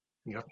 Ia.